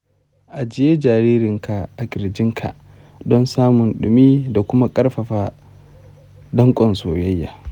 ajiye jaririnka a ƙirjinka don samun ɗumi da kuma ƙarfafa dankon soyayya